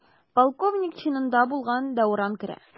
Полковник чинында булган Дәүран керә.